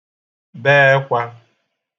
be ẹkwā